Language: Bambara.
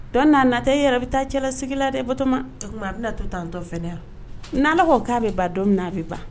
Don na natɛ e yɛrɛ bɛ taa cɛlasigi la dɛ bato n bɛ to taa an dɔ yan n'kaw k'a bɛ ba don min na a bɛ ban